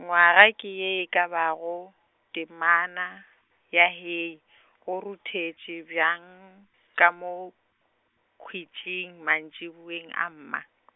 ngwaga ke ye e ka ba go, temana ya hee , o ruthetše bjang, ka mo, khwitšhing mantšiboeng a mma .